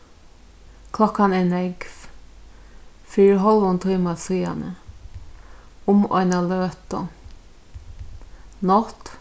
klokkan er nógv fyri hálvum tíma síðani um eina løtu nátt